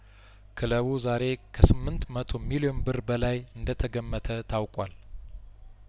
ክለቡ ዛሬ ከስምንት መቶ ሚሊዮን ብር በላይ እንደተገመተ ታውቋል